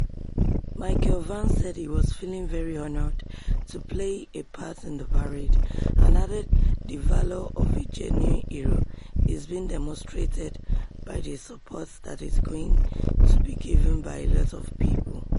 Michael Vann said he was "feeling very honored to play a part in the parade" and added "the valor of a genuine hero is being demonstrated by the support that is going to be given by a lot of people."